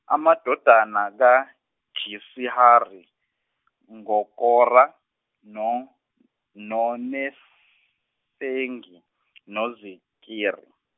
amadodana kaJisihari ngoKora, no noNefegi, noZikiri.